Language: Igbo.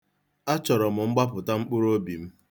Achọrọ m mgbapụta mkpụrụ obi m.